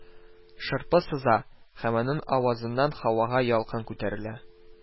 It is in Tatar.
Шырпы сыза, һәм аның авызыннан һавага ялкын күтәрелә